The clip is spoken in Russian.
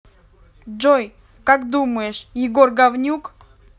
джой как думаешь егор говнюк